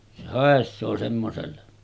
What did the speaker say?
se haisee semmoiselle